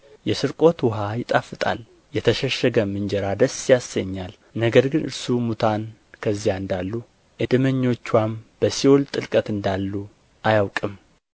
የስርቆት ውኃ ይጣፍጣል የተሸሸገም እንጀራ ደስ ያሰኛል ነገር ግን እርሱ ሙታን ከዚያ እንዳሉ እድምተኞችዋም በሲኦል ጥልቀት እንዳሉ አያውቅም